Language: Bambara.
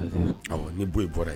Ni' ye bɔra ye